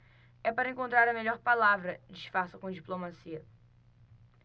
é para encontrar a melhor palavra disfarça com diplomacia